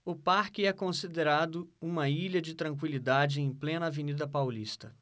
o parque é considerado uma ilha de tranquilidade em plena avenida paulista